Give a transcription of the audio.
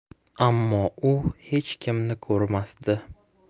ammo u hech kimni ko'rmasdi